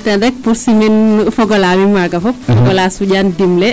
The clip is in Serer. Ten rek pour simin fog olaa mi' maaga fop fog ola suƴaann dimle